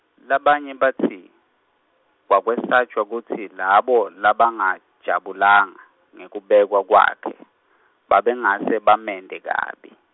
labanye batsi, kwakwesatjwa kutsi, labo, labangajabulanga, ngekubekwa kwakhe, babengase bamente kabi.